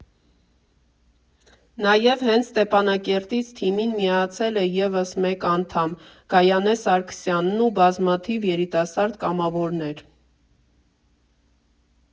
Նաև հենց Ստեփանակերտից թիմին միացել է ևս մեկ անդամ՝ Գայանե Սարգսյանն ու բազմաթիվ երիտասարդ կամավորներ։